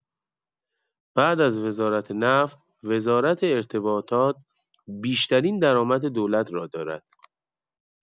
بعد از وزارت نفت، وزارت ارتباطات بیشترین درآمد دولت را دارد.